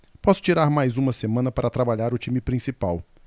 posso tirar mais uma semana para trabalhar o time principal